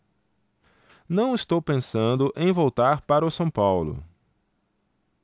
não estou pensando em voltar para o são paulo